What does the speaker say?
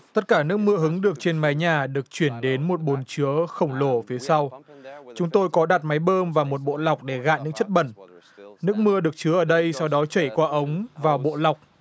tất cả nước mưa hứng được trên mái nhà được chuyển đến một bồn chứa khổng lồ phía sau chúng tôi có đặt máy bơm và một bộ lọc để gạn những chất bẩn nước mưa được chứa ở đây sau đó chảy qua ống vào bộ lọc